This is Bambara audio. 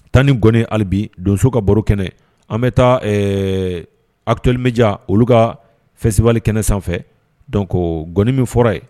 Tan ni gɔni alibi donso ka baro kɛnɛ an bɛ taa akitoli bɛja olu ka fɛsi kɛnɛ sanfɛ gɔni min fɔra ye